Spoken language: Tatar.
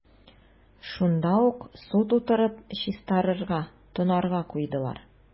Шунда ук су тутырып, чистарырга – тонарга куйдылар.